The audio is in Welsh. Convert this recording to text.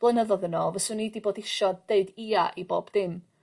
Blynyddodd yn ôl fyswn i 'di bod isio deud ia i bob dim.